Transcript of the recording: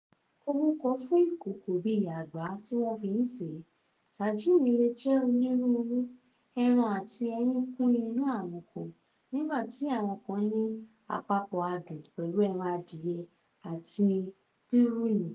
Orúkọ fún ìkòkò bíi àgbá tí wọ́n fi ṣèé, tàjíìnì le jẹ́ onírúurú; ẹran àti ẹyin kún inú àwọn kan, nígbà tí àwọn kan ní àpapọ̀ adùn pẹ̀lú ẹran adìẹ àti pírùnì.